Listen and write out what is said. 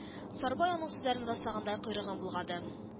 Сарбай аның сүзләрен раслагандай койрыгын болгады